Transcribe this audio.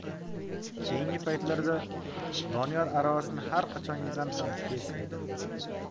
keyingi paytlarda doniyor aravasini har qachongidan ham tez haydardi